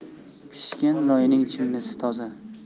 pishgan loyning chinnisi toza